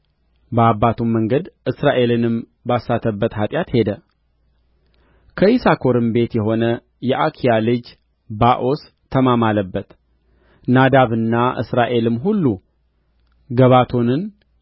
በአባቱም መንገድ እስራኤልንም ባሳተበት ኃጢአት ሄደ ከይሳኮርም ቤት የሆነ የአኪያ ልጅ ባኦስ ተማማለበት ናዳብና እስራኤልም ሁሉ ገባቶንን